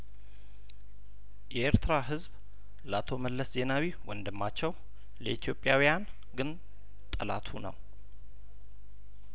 የኤርትራ ህዝብ ለአቶ መለስ ዜናዊ ወንድማቸው ለኢትዮጵያውያን ግን ጠላቱ ነው